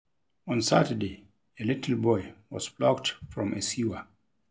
On Saturday, a little boy was plucked from a sewer.